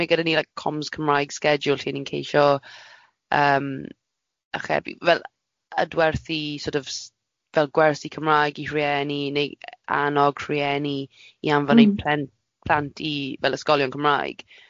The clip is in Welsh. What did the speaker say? mae gyda ni like comms Cymraeg schedule lle ni'n ceisio yym achebu fel adwerthu sort of s- fel gwersi Cymraeg i rhieni neu annog rhieni i anfon i... M-hm. ...plen- plant i fel ysgolion Cymraeg.